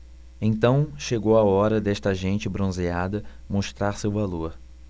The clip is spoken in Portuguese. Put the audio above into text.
então chegou a hora desta gente bronzeada mostrar seu valor